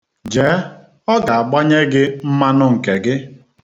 Jee, ọ ga-abanye gị mmanụ nke gị.